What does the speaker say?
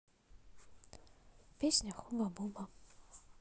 песня хуба буба